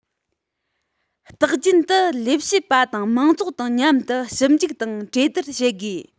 རྟག རྒྱུན དུ ལས བྱེད པ དང མང ཚོགས དང མཉམ དུ ཞིབ འཇུག དང གྲོས བསྡུར བྱེད དགོས